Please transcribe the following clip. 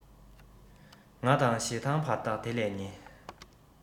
ང དང ཞེ སྡང བར ཐག དེ ལས ཉེ